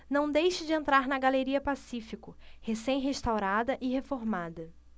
não deixe de entrar na galeria pacífico recém restaurada e reformada